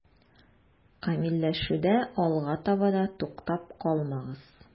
Камилләшүдә алга таба да туктап калмагыз.